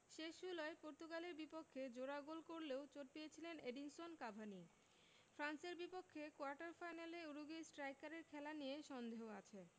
শেষ ষোলোয় পর্তুগালের বিপক্ষে জোড়া গোল করলেও চোট পেয়েছিলেন এডিনসন কাভানি ফ্রান্সের বিপক্ষে কোয়ার্টার ফাইনালে উরুগুয়ে স্ট্রাইকারের খেলা নিয়ে সন্দেহ আছে